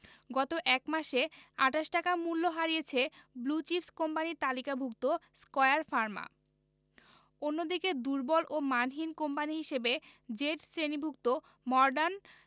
গত এক মাসে ২৮ টাকা মূল্য হারিয়েছে ব্লু চিপস কোম্পানির তালিকাভুক্ত স্কয়ার ফার্মা অন্যদিকে দুর্বল ও মানহীন কোম্পানি হিসেবে জেড শ্রেণিভুক্ত মর্ডান